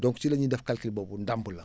donc ci la ñuy def calcul boobu ndàmp la